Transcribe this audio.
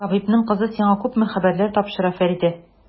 Табибның кызы сиңа күпме хәбәрләр тапшыра, Фәридә!